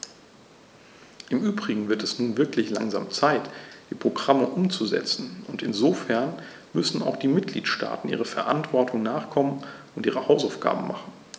Im übrigen wird es nun wirklich langsam Zeit, die Programme umzusetzen, und insofern müssen auch die Mitgliedstaaten ihrer Verantwortung nachkommen und ihre Hausaufgaben machen.